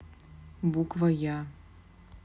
буква я